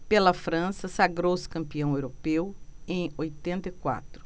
pela frança sagrou-se campeão europeu em oitenta e quatro